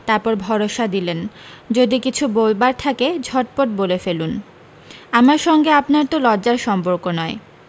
তারপর ভরসা দিলেন যদি কিছু বলবার থাকে ঝটপট বলে ফেলুন আমার সঙ্গে আপনার তো লজ্জার সম্পর্ক নয়